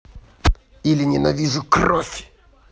или ненавижу кровь